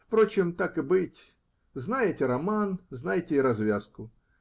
Впрочем, так и быть, знаете роман, знайте и развязку.